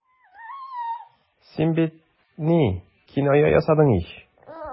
Син бит... ни... киная ясадың ич.